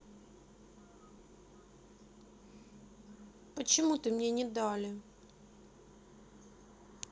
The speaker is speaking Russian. почему ты мне не дали